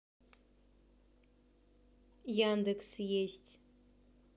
яндекс есть